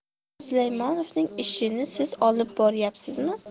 sulaymonovning ishini siz olib boryapsizmi